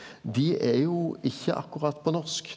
dei er jo ikkje akkurat på norsk.